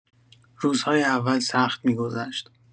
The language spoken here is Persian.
روزهای اول سخت می‌گذشت.